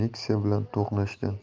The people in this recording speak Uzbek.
nexia bilan to'qnashgan